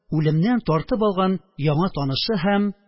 Үлемнән тартып алган яңа танышы һәм